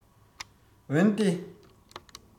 འོན ཏེ